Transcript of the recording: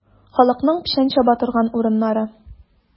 Халыкның печән чаба торган урыннары.